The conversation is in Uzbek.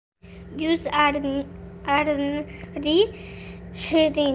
yuz yuzga tushar mehr ko'zga